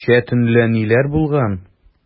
Кичә төнлә ниләр булган?